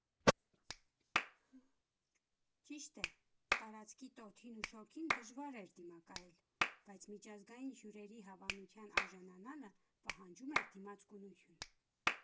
Ճիշտ է, տարածքի տոթին ու շոգին դժվար էր դիմակայել, բայց միջազգային հյուրերի հավանության արժանանալը պահանջում է դիմացկունություն։